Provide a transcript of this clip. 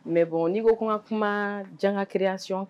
Mɛ bɔn ni ko kuma ka kuma jankareyasiɔn